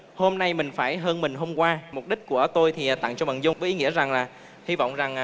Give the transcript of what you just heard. hôm nay mình phải hơn mình hôm qua mục đích của tôi thì tặng cho bạn dung với ý nghĩa rằng là hy vọng rằng